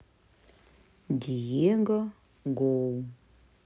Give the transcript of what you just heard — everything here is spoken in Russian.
диего гоу